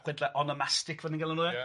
Chwedla onomastig fel ni'n galw nhw 'de. Ia.